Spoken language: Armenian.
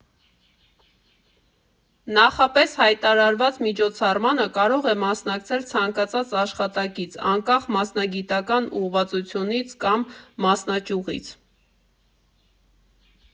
Նախապես հայտարարված միջոցառմանը կարող է մասնակցել ցանկացած աշխատակից՝ անկախ մասնագիտական ուղղվածությունից կամ մասնաճյուղից։